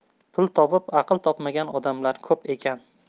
pul topib aql topmagan odamlar ko'p ekan